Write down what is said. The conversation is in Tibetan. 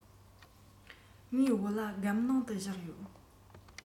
ངའི བོད ལྭ སྒམ ནང དུ བཞག ཡོད